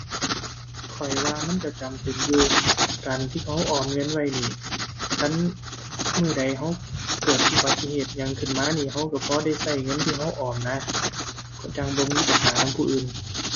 ข้อยว่ามันก็จำเป็นอยู่ การที่ก็ออมเงินไว้นี่ คันมื้อใดก็เกิดอุบัติเหตุหยังขึ้นมานี้ ก็ก็พอได้ก็เงินที่ก็ออมนะ ก็จั่งบ่มีปัญหานำผู้อื่น